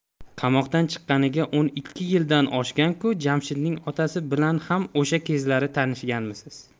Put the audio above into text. qamoqdan chiqqaniga o'n ikki yildan oshgan ku jamshidning otasi bilan ham o'sha kezlari tanishganmisiz